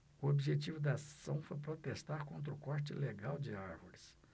o objetivo da ação foi protestar contra o corte ilegal de árvores